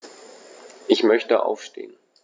Ich möchte aufstehen.